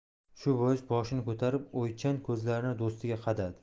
shu bois boshini ko'tarib o'ychan ko'zlarini do'stiga qadadi